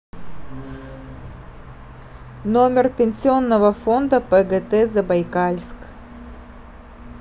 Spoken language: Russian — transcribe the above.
номер пенсионного фонда пгт забайкальск